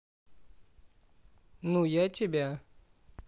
ну я тебя